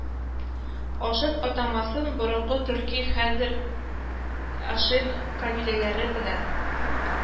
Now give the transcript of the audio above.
Ашыт атамасын борынгы төрки-хәзәр ашин кабиләләре белән